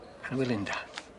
Annwyl Linda.